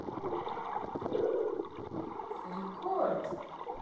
рекорд